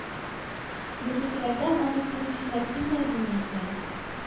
Безнекеләрдән аны күрүчеләр кемнәр генә икән?